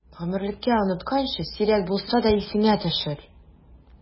Гомерлеккә онытканчы, сирәк булса да исеңә төшер!